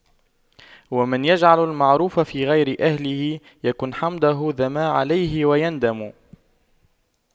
ومن يجعل المعروف في غير أهله يكن حمده ذما عليه ويندم